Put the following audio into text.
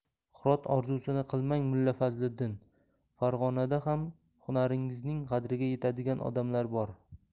hirot orzusini qilmang mulla fazliddin far g'onada ham hunaringizning qadriga yetadigan odamlar bor